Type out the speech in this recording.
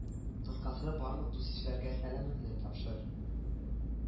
Кыскасы барлык дус-ишләргә сәламемне тапшыр